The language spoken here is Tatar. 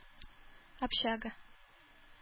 Общага